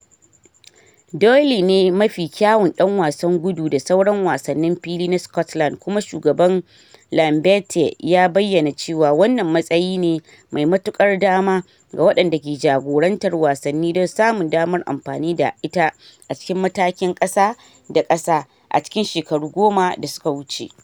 Doyle ne mafi kyawun dan wasan gudu da sauran wasannin fili na Scotland kuma shugaba Ian Beattie ya bayyana cewa wannan matsayi ne mai matukar dama ga waɗanda ke jagorantar wasanni don samun damar amfani da ita a cikin matakin kasa da kasa a cikin shekaru goma da suka wuce.